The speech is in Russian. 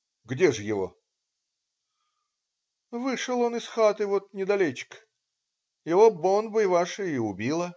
где же его?" - "Вышел он из хаты вот недалечка, его бонбой вашей и убило.